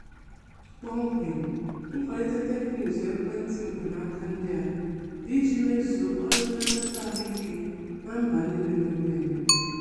Kpọmkwem, nkwalite teknụzụ ekwentị mkpanaka ndị a bụ iji mezie ọrụ nlekọta ahụike na mba ndị na-emepe emepe.